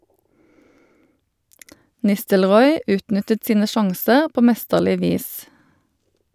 Nistelrooy utnyttet sine sjanser på mesterlig vis.